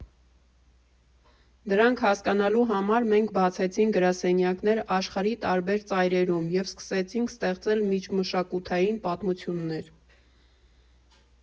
Դրանք հասկանալու համար մենք բացեցինք գրասենյակներ աշխարհի տարբեր ծայրերում և սկսեցինք ստեղծել միջմշակութային պատմություններ։